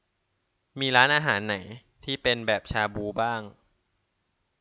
มีร้านอาหารไหนที่เป็นแบบชาบูบ้าง